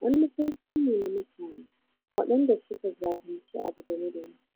wani mafarki ne na mutane waɗanda suka zahilci abu game da mu.